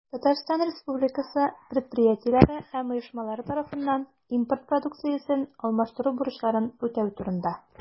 Татарстан Республикасы предприятиеләре һәм оешмалары тарафыннан импорт продукциясен алмаштыру бурычларын үтәү турында.